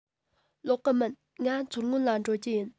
ལོག གི མིན ང མཚོ སྔོན ལ འགྲོ རྒྱུ ཡིན